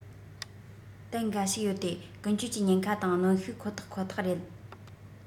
ཏན འགའ ཞིག ཡོད དེ ཀུན སྤྱོད ཀྱི ཉེན ཁ དང གནོན ཤུགས ཁོ ཐག ཁོ ཐག རེད